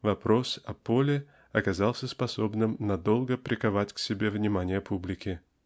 вопрос о поле оказался способным надолго приковать к себе внимание публики.